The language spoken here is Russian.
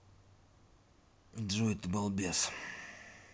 джой ты балбес